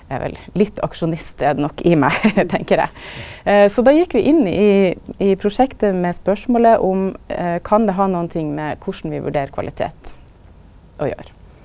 er vel litt aksjonist er det nok i meg tenker eg så då gjekk vi inn i i prosjektet med spørsmålet om kan det ha nokon ting med korleis vi vurderer kvalitet å gjera.